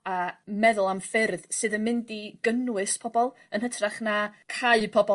a meddwl am ffyrdd sydd yn mynd i gynnwys pobol yn hytrach na cau pobol